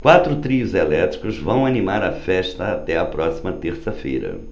quatro trios elétricos vão animar a festa até a próxima terça-feira